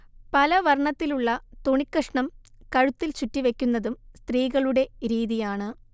പലവർണ്ണത്തിലുള്ള തുണികഷ്ണം കഴുത്തിൽ ചുറ്റി വെക്കുന്നതും സ്ത്രീകളുടെ രീതിയാണ്